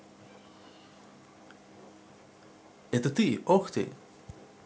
это ты ох ты